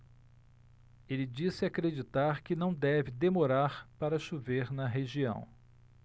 ele disse acreditar que não deve demorar para chover na região